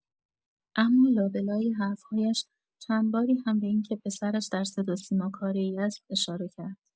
اما لا به لای حرف‌هایش چند باری هم به این که پسرش در صدا و سیما کاره‌ای است اشاره کرد.